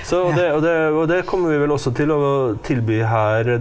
så det og det og det kommer vi vel også til å tilby her .